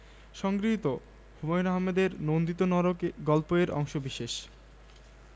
ইসপের গল্প নেকড়ে ও ভেড়ার গল্প ঘুরতে ঘুরতে এক নেকড়ে একটা দলছুট ভেড়াকে একলা পেয়ে গেল নেকড়ের ইচ্ছে হল বেশ মহত্ব দেখায়